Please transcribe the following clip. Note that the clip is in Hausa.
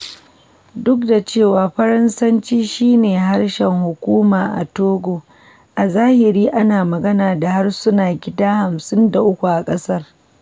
Duk da cewa Faransanci shi ne harshen hukuma a Togo, a zahiri ana magana da harsuna gida 53 a ƙasar.